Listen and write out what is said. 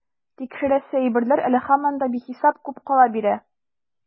Тикшерәсе әйберләр әле һаман да бихисап күп кала бирә.